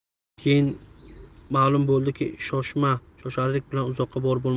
keyin ma'lum bo'ldiki shoshma shosharlik bilan uzoqqa borib bo'lmas ekan